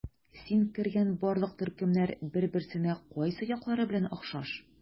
Син кергән барлык төркемнәр бер-берсенә кайсы яклары белән охшаш?